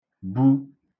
bu